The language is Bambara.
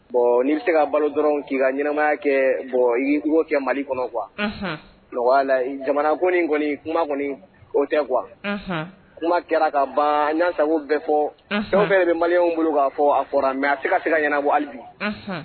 Bon n'i bɛ se ka balo dɔrɔn k'i ɲɛnama kɛ bɔ i kɛ mali kɔnɔ kuwa jamana ko kɔni kuma kɔni o tɛ kuwa kuma kɛra ka bansago bɛɛ fɔ dɔw bɛ bɛ maliw bolo k'a fɔ a fɔra mɛ a tɛ se ka se ka ɲɛnabɔ bi